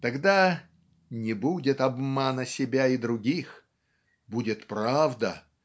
Тогда "не будет обмана себя и других будет правда